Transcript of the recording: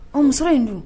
O muso in don